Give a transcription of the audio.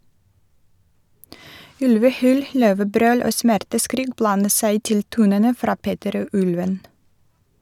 Ulvehyl , løvebrøl og smerteskrik blandet seg til tonene fra "Peter og Ulven".